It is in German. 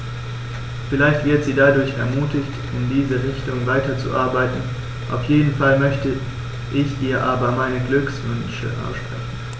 Vielleicht wird sie dadurch ermutigt, in diese Richtung weiterzuarbeiten, auf jeden Fall möchte ich ihr aber meine Glückwünsche aussprechen.